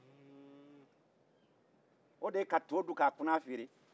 o de ye ka to dun k'a kunan feere